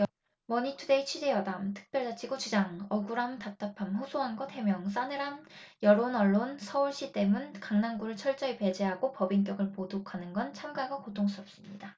머니투데이 취재여담 특별자치구 주장 억울함 답답함 호소한 것 해명 싸늘한 여론 언론 서울시 때문 강남구를 철저히 배제하고 법인격을 모독하는 건 참기가 고통스럽습니다